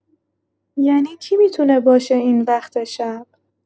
ینی کی می‌تونه باشه این وقت شب؟